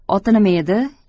oti nima edi